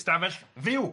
Stafell fyw.